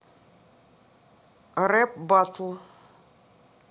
рэп батл